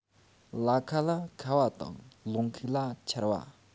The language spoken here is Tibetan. ལ ཁ ལ ཁ བ དང ལུང ཁུག ལ ཆར པ